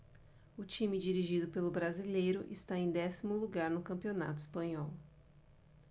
o time dirigido pelo brasileiro está em décimo lugar no campeonato espanhol